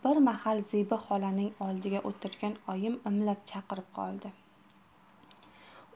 bir mahal zebi xolaning oldida o'tirgan oyim imlab chaqirib qoldi